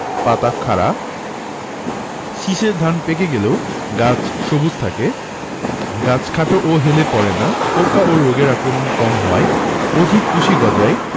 পাতা খাড়া শীষের ধান পেকে গেলেও গাছ সবুজ থাকে গাছ খাটো ও হেলে পড়ে না পোকা ও রোগের আক্রমণ কম হয় অধিক কুশি গজায়